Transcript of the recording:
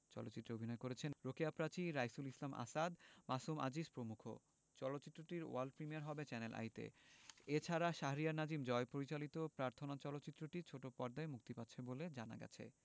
চলচ্চিত্রে অভিনয় করেছেন রোকেয়া প্রাচী রাইসুল ইসলাম আসাদ মাসুম আজিজ প্রমুখ চলচ্চিত্রটির ওয়ার্ল্ড প্রিমিয়ার হবে চ্যানেল আইতে এ ছাড়া শাহরিয়ার নাজিম জয় পরিচালিত প্রার্থনা চলচ্চিত্রটি ছোট পর্দায় মুক্তি পাচ্ছে বলে জানা গেছে